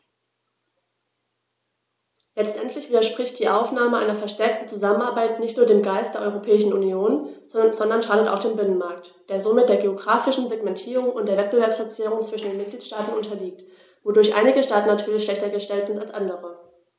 Letztendlich widerspricht die Aufnahme einer verstärkten Zusammenarbeit nicht nur dem Geist der Europäischen Union, sondern schadet auch dem Binnenmarkt, der somit der geographischen Segmentierung und der Wettbewerbsverzerrung zwischen den Mitgliedstaaten unterliegt, wodurch einige Staaten natürlich schlechter gestellt sind als andere.